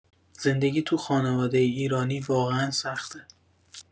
زندگی تو خانواده ایرانی واقعا سخته.